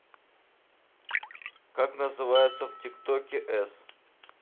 как называется в тик токе с